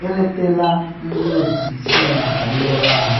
Eletela ndị otu isii maka mmerụ ahụ.